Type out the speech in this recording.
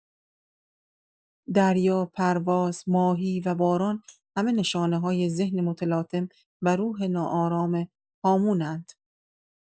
دریا، پرواز، ماهی، و باران، همه نشانه‌های ذهن متلاطم و روح ناآرام هامون‌اند.